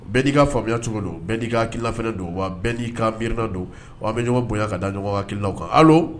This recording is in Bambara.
Bɛɛ n'i ka faamuyaya cogo don'i ka kila don wa bɛɛ'i ka mirinina don wa bɛ ɲɔgɔn bonya ka da ɲɔgɔn kilaw kan